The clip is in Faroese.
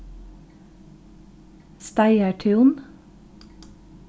steigartún